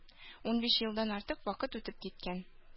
Унбиш елдан артык вакыт үтеп киткән